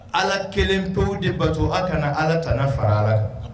Ala kelen pewu de bato a kana ala ta fara